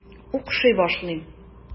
Укшый башлыйм.